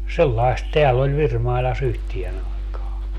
sellaista täällä oli Virmailassa yhteen aikaan